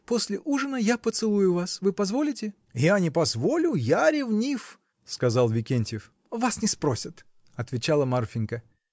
после ужина я поцелую вас: вы позволите? — Я не позволю, я ревнив! — сказал Викентьев. — Вас не спросят! — отвечала Марфинька.